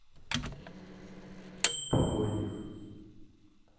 покойник